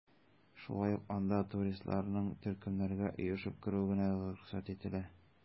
Шулай ук анда туристларның төркемнәргә оешып керүе генә рөхсәт ителә.